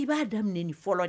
I b'a da fɔlɔ